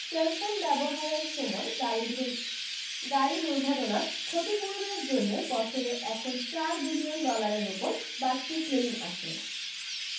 cellphone ব্যবহারের সময় গাড়ী দূর গাড়ী দুর্ঘটনার ক্ষতিপূরণের জন্যে বছরে এখন চার বিলিয়ন ডলারের ওপর বাড়তি ক্লেইম আসে